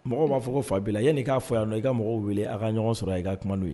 Mɔgɔw b'a fɔ ko fa b'i la yann'a k'a fɔ yan n'ɔ i ka mɔgɔw wele a ka ɲɔgɔn sɔrɔ i ka kuma n'u ye